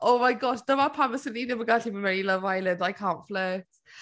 Oh, my gosh. Dyma pam fyswn i ddim yn gallu mynd i Love Island. I can’t flirt.